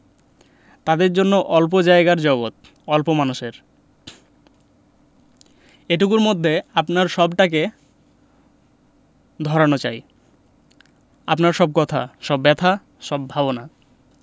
তাদের জন্য অল্প জায়গার জগত অল্প মানুষের এটুকুর মধ্যে আপনার সবটাকে ধরানো চাই আপনার সব কথা সব ব্যাথা সব ভাবনা